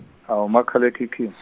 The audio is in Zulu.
umakhal' ekhikhini.